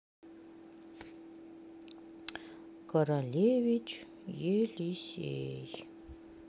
королевич елисей